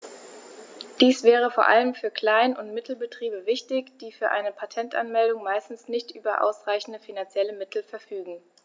Dies wäre vor allem für Klein- und Mittelbetriebe wichtig, die für eine Patentanmeldung meistens nicht über ausreichende finanzielle Mittel verfügen.